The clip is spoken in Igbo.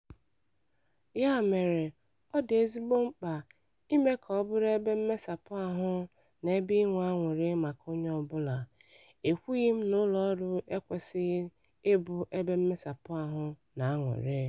Ya mere, ọ dị ezigbo mkpa ịme ka ọ bụrụ ebe mmesapụ ahụ na ebe ịnwe aṅurị maka onye ọbụla (ekwughi m na ụlọọrụ ekwesịghị ị bụ ebe mmesapụ ahụ na aṅurị.